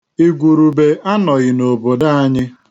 Igwurube anọghị n'obodo anyị.